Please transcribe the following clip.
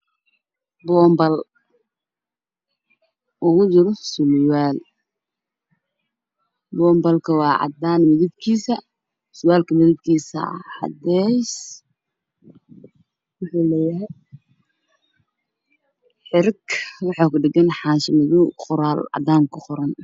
Waa boonbalo waxaa kujiro surwaal. Boonbaluhu waa cadaan, surwaalku waa cadeys waxuu leeyahay xarig waxaa kudhagan xaanshi madow.